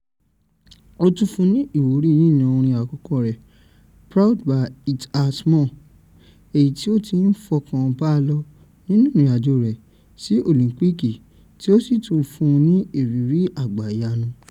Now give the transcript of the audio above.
‘’O tún fún ní ìwúrí yíyan orin àkọ́kọ́ rẹ̀ - Proud by Heather Small - èyí tí ó tí ń fọkà bá lọ nínú ìrìnàjò rẹ̀ sí Òlìńpìkì tí ó sì tún fún ní ìrírí àgbàyanu.